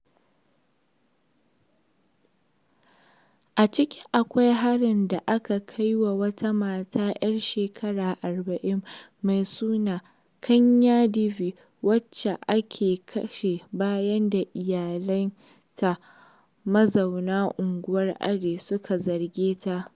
A ciki akwai hari da aka kai wa wata mata 'yar shekaru 40 mai suna Kanya Devi wacce aka kashe bayan da iyalanta mazauna unguwar Ajmer suka zarge ta.